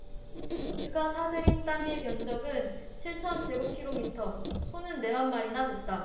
그가 사 들인 땅의 면적은 칠천 제곱키로미터 소는 네 만마리나 됐다